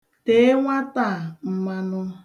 Tee nwata a mmanụ.